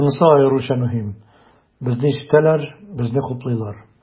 Шунысы аеруча мөһим, безне ишетәләр, безне хуплыйлар.